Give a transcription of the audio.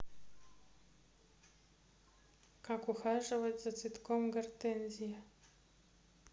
как ухаживать за цветком гартензия